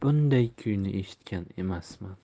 bunday kuyni eshitgan emasman